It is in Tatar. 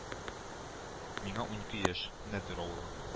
Миңа унике яшь, Нәдер авылы